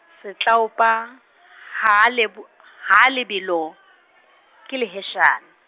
Setlaopa ha a lebo-, ha a lebelo, ke leheshane.